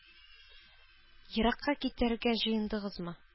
Еракка китәргә җыендыгызмы?